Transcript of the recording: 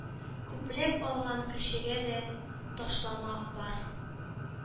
Күпләп алган кешегә дә ташлама бар.